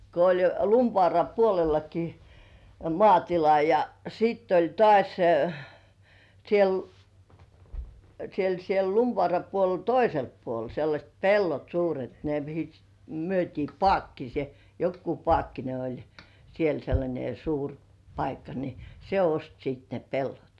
kun oli jo Lumivaaran puolellakin - maatila ja sitten oli taas siellä siellä siellä Lumivaaran puolella toisella puolella sellaiset pellot suuret ne mihin myytiin - joku Paakkinen oli siellä sellainen suuri paikka niin se osti sitten ne pellot